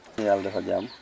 yàlla na yàlla defal jàmm